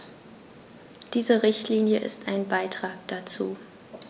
Diese Richtlinie ist ein Beitrag dazu.